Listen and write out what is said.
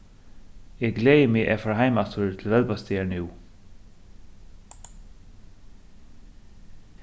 eg gleði meg at fara heim aftur til velbastaðar nú